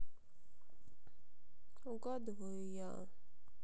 угадываю я